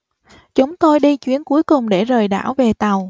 chúng tôi đi chuyến cuối cùng để rời đảo về tàu